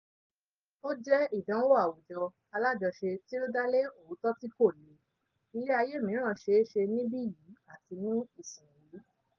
Ó jẹ́ ìdánwò àwùjọ, alájọṣe tí ó dá lé òótọ́ tí kò le: ilé ayé mìíràn ṣeéṣe, níbí yìí àti ní ìsinyìí.